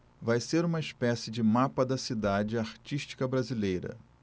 vai ser uma espécie de mapa da cidade artística brasileira